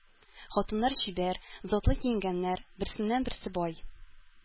Хатыннар чибәр, затлы киенгәннәр, берсеннән-берсе бай.